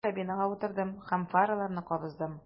Мин кабинага утырдым да фараларны кабыздым.